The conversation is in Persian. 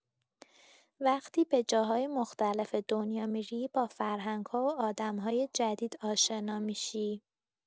وقتی به جاهای مختلف دنیا می‌ری، با فرهنگ‌ها و آدم‌های جدید آشنا می‌شی.